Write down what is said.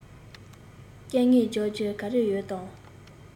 སྐད ངན རྒྱག རྒྱུ ག རེ ཡོད དམ